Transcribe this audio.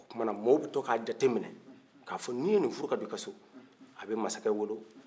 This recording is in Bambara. o kumana mɔw bɛ to kaa jateminɛ ka fɔ ni ye ni furu ka don i ka so a bɛ masakɛ wolo